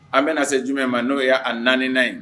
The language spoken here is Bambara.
An bɛ na se jumɛn ma? N'o ye a 4 nan ye.